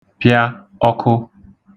pịa ọkụ